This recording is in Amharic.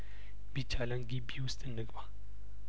ቢቻለን ጊቢ ውስጥ እንግባ